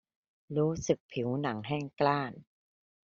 รู้สึกผิวหนังแห้งกร้าน